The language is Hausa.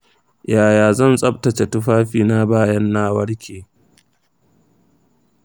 yaya zan tsabtace tufafina bayan na warke?